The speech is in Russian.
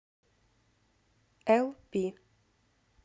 эл пи